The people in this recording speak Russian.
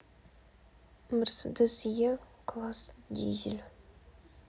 мерседес е класс дизель